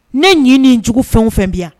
Ne ye ninjugu fɛnw fɛn bi yan